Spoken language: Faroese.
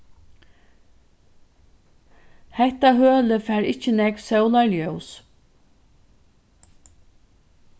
hetta hølið fær ikki nógv sólarljós